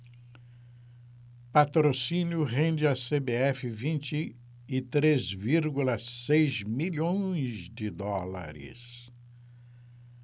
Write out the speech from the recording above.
patrocínio rende à cbf vinte e três vírgula seis milhões de dólares